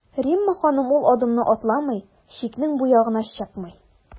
Римма ханым ул адымны атламый, чикнең бу ягына чыкмый.